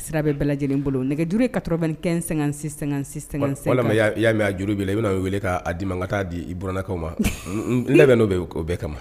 Sira bɛ bɛɛ lajɛlen bolo nɛgɛguru ye 95565655 walima i y'a mɛn a juru b'i la i bɛna u wele ka a di n ma n ka ta'a di i burannakaw ma n labɛnnen bɛ o bɛɛ kama